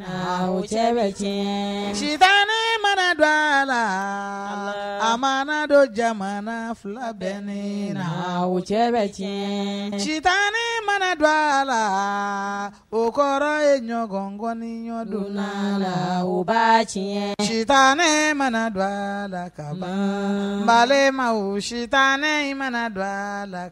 Cɛ bɛ cɛ sita mana dɔgɔ a la a mana dɔ jamana fila bɛ ne na o cɛ bɛ tiɲɛ sita ne mana don a la o kɔrɔ ye ɲɔgɔnkɔni ɲɔgɔndon la la u ba tiɲɛ sita ne mana don a la ka ba ma wo sita in mana don a la